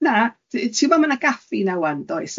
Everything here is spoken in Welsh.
Na, t- ti'n gwbod ma' na gaffi yna ŵan, does?